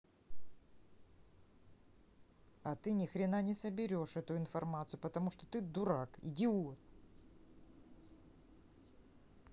а ты нихрена не соберешь эту информацию потому что ты дурак идиот